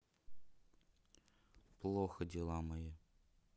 плохо дела мои